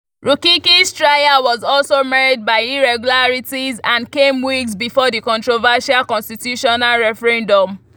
Rukiki's trial was also marred by irregularities and came weeks before the controversial constitutional referendum.